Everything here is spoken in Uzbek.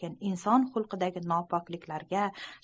lekin inson xulqidagi nopokliklarga